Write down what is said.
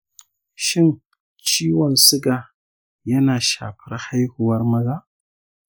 shin ciwon suga yana shafar haihuwar maza?